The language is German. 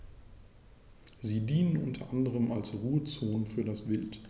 Sie dienen unter anderem als Ruhezonen für das Wild.